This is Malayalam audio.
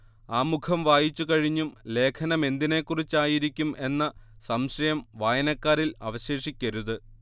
ആമുഖം വായിച്ചുകഴിഞ്ഞും ലേഖനമെന്തിനെക്കുറിച്ചായിരിക്കും എന്ന സംശയം വായനക്കാരിൽ അവശേഷിക്കരുത്